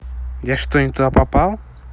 я что не туда попал